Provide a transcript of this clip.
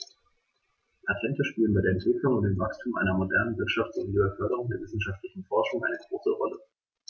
Patente spielen bei der Entwicklung und dem Wachstum einer modernen Wirtschaft sowie bei der Förderung der wissenschaftlichen Forschung eine große Rolle.